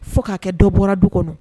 Fo k'a kɛ dɔ bɔra du kɔnɔ